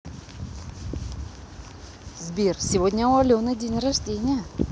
сбер сегодня у алены день рождения